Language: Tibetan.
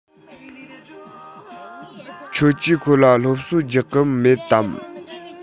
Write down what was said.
ཁྱོད ཀྱིས ཁོ ལ སློབ གསོ རྒྱག གི མེད དམ